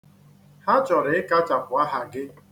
Ha chọrọ ịkachapụ aha gị.